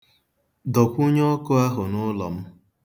Dọkwụnye ọkụ ahụ n'ụlọ m.